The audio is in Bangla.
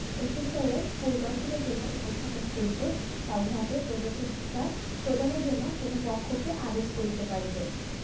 এসেসরের পরিদর্শনের জন্য উপস্থাপন করিতে বা উহাতে প্রবেশাধিকার প্রদানের জন্য কোন পক্ষকে আদেশ করিতে পারিবে